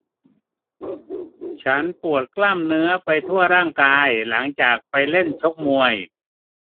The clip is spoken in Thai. ฉันปวดกล้ามเนื้อไปทั่วร่างกายหลังจากไปเล่นชกมวย